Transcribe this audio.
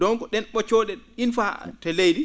donc ?een ?occoo?e une fois to leydi